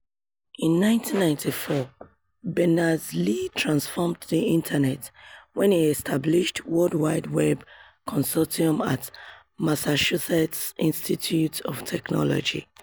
In 1994, Berners-Lee transformed the Internet when he established the World Wide Web Consortium at Massachusetts Institute of Technology.